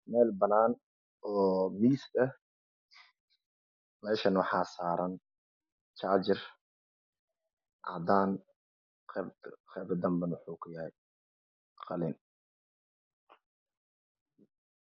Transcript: Meel banaan oo miis ah meeshana waxaa saaran jaajar cadaan qaybta danbana wuxuu ka yahay qalin